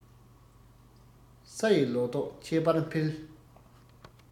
ས ཡི ལོ ཏོག ཁྱད པར འཕེལ